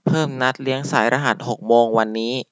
เพิ่มนัดเลี้ยงสายรหัสหกโมงวันนี้